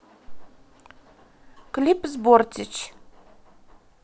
клип с бортич